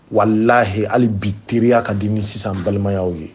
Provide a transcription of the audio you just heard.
Wala lahi hali bi teriya ka di ni sisan balimayaw ye